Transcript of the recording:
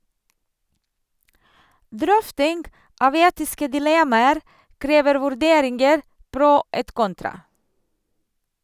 Drøfting av etiske dilemmaer krever vurderinger pro et contra.